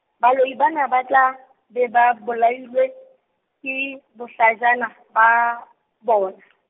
baloi bana ba tla, be ba bolailwe, ke, bohlajana, ba, bona.